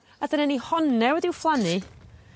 A dyna ni honne wedi'w phlannu